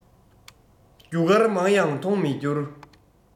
རྒྱུ སྐར མང ཡང མཐོང མི འགྱུར